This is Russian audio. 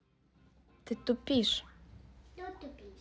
ты тупишь